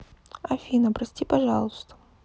афина прости пожалуйста